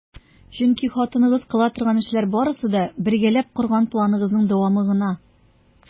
Чөнки хатыныгыз кыла торган эшләр барысы да - бергәләп корган планыгызның дәвамы гына!